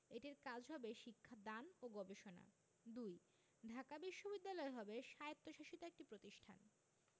এটির কাজ হবে শিক্ষা দান ও গবেষণা ২. ঢাকা বিশ্ববিদ্যালয় হবে স্বায়ত্তশাসিত একটি প্রতিষ্ঠান